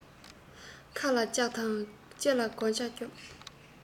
ཁ ལ ལྕགས དང ལྕེ ལ སྒོ ལྩགས རྒྱོབ